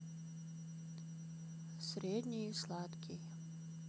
средний сладкий